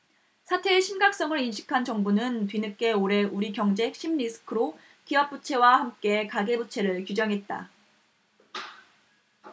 사태의 심각성을 인식한 정부는 뒤늦게 올해 우리 경제 핵심 리스크로 기업부채와 함께 가계부채를 규정했다